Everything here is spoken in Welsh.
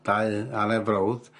dau anner frowd.